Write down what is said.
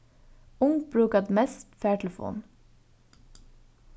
ung brúka mest fartelefon